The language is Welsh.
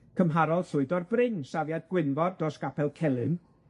cymharol llwydo'r brin safiad Gwynfor dros Gapel Celyn